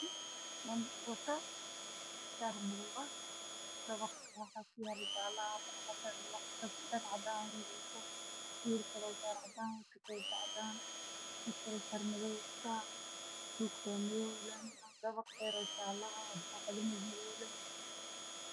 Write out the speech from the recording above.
Halkaan waxaa ka muuqdo laami ay taagan yihiin wiilal dhalinyaro ah laamiga geeskiisa waxaa ku yaalo dabaq jaalo ah